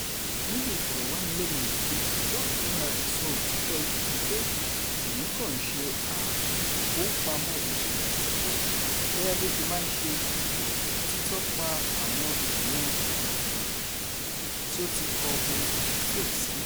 Nínú ìfọ̀rọ̀wánilẹ́nuwò kan, George fúnra rẹ̀ sọ òtítọ́ ibẹ̀ wípé òun kàn ń "ṣe àkópamọ́ ìṣẹ̀lẹ̀ àtijọ́ " gẹ́gẹ́ "bí ó ṣe máa ń ṣe", títọpa àwọn ènìyàn jàǹkàn-jàǹkàn tí ó ti kọ orin calypso sẹ́yìn.